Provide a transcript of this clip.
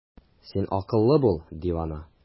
Син акыллы, бул дивана!